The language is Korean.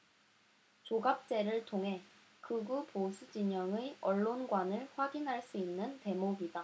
조갑제를 통해 극우보수진영의 언론관을 확인할 수 있는 대목이다